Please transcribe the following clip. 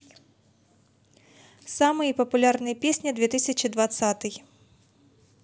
самые популярные песни две тысячи двадцатый